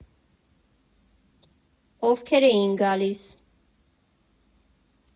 Ովքեր էին գալիս։